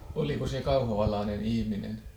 oliko se kauhavalainen ihminen